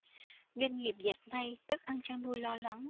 doanh nghiệp dệt may thức ăn chăn nuôi lo lắng